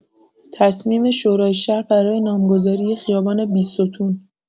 تصمیم شورای شهر برای نامگذاری خیابان بیستون